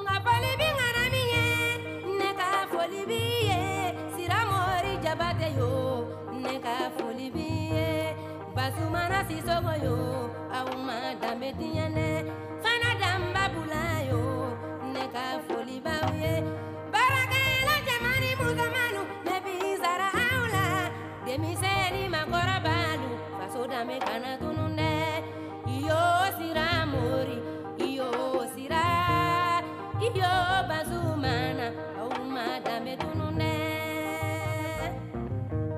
2bali bɛ min ye nɛgɛ foli bɛ ye siramo jabakɛ wo nɛgɛ foli bɛ ye ba mana sosokoy u ma danbe diɛnɛ sondababula o nɛgɛ foliba ye bakɛjari mɔdabalu dɛ bisa la denmisɛnri makɔrɔbalu faso danbekara dunun dɛ yo siramo yo sira i yo basi mana u ma danbe dunun dɛ